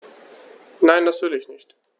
Nein, das will ich nicht.